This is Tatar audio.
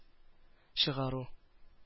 Чыгару